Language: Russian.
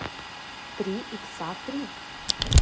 три икса три